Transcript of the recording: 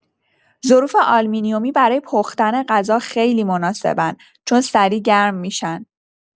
ظروف آلومینیومی برای پختن غذا خیلی مناسبن چون سریع گرم می‌شن.